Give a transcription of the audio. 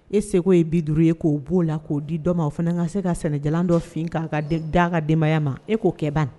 E seko ye 50 ye ko bo la ko di dɔ ma . O fana ka se ka sɛnɛjalan dɔ fin ka da ka denbaya ma. E ko kɛ bani.